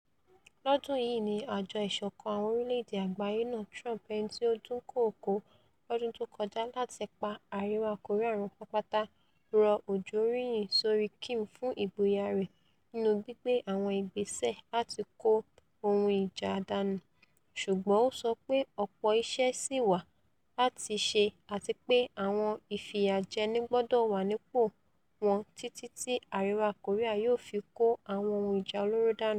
Lọ́dún yìí ní Àjọ Ìṣọ̀kan Àwọn orílẹ̀-èdè Àgbáyé náà, Trump, ẹnití ó dúnkòokó lọ́dún tókọjá láti ''pa Àríwá Kòríà run pátápátá'', rọ òjò oríyìn sórí Kim fún ìgboyà rẹ̀ Nínú gbìgbé àwọn ìgbẹ́sẹ̀ láti kó ohun ìjà dànù, ṣùgbọ́n ó sọ pé ọ̀pọ̀ iṣẹ́ sí wà láti ṣe àtipé àwọn ìfìyàjẹni gbọ̀dọ̀ wànípò wọn títí ti Àríwá Kòríà yóò fi kó àwọn ohun ìjà olóró dànù.